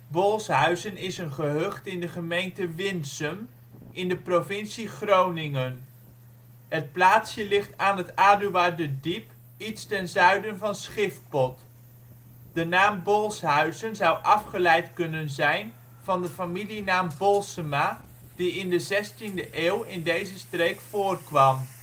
Bolshuizen is een gehucht in de gemeente Winsum in de provincie Groningen. Het plaatsje ligt aan het Aduarderdiep iets ten zuiden van Schifpot. De naam Bolshuizen zou afgeleid kunnen zijn van de familienaam Bolsema die in de zestiende eeuw in deze streek voorkwam